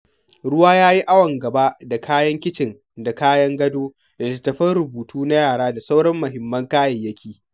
Ruwa ya yi awon gaba da kayan kicin da kayan gado da littatafan rubutu na yara da sauran muhimman kayayyaki.